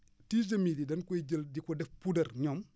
tiges de mil yi dañ koy jël di ko def puudar ñoom